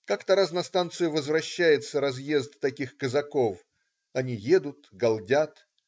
Как-то раз на станцию возвращается разъезд таких казаков. Они едут, галдят.